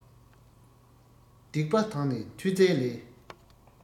སྡིག པ དང ནི མཐུ རྩལ ལས